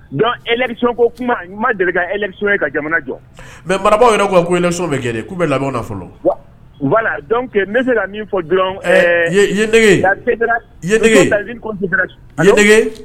Dɔn e sɔn ko kuma ma deli ka emi sɔn ye ka jamana jɔ mɛ marabaaw yɛrɛ ko e so bɛ kɛ bɛ lamɔ fɔlɔ ne se min fɔgege